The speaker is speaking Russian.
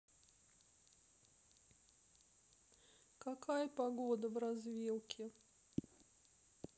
какая погода в развилке